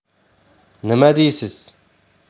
nima deysiz